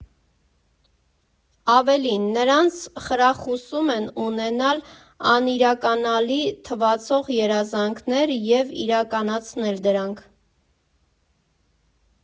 Ավելին, նրանց խրախուսում են ունենալ անիրականանալի թվացող երազանքներ, և իրականացնել դրանք։